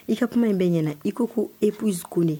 I ka kuma in bɛ ɲɛna i ko ko epiko ne